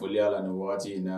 Foli y' la waati in na